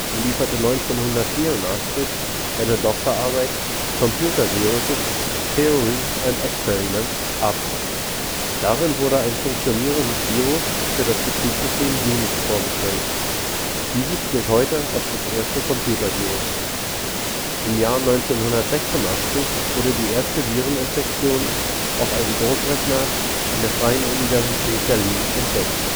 lieferte 1984 seine Doktorarbeit Computer Viruses – Theory and Experiments ab. Darin wurde ein funktionierendes Virus für das Betriebssystem Unix vorgestellt. Dieses gilt heute als das erste Computervirus. Im Januar 1986 wurde die erste Vireninfektion auf einem Großrechner an der FU Berlin entdeckt